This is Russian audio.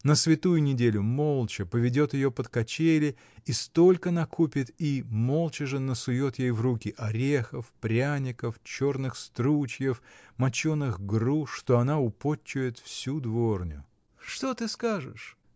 На Святую неделю, молча, поведет ее под качели и столько накупит и, молча же, насует ей в руки орехов, пряников, черных стручьев, моченых груш, что она употчует всю дворню. — Что ты скажешь?